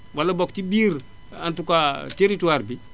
wala book ci biir en tout cas territoire bi